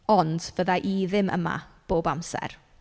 Ond fydda i ddim yma bob amser.